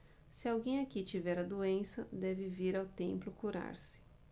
se alguém aqui tiver a doença deve vir ao templo curar-se